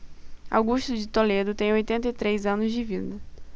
augusto de toledo tem oitenta e três anos de vida